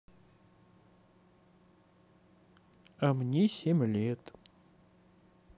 а мне семь лет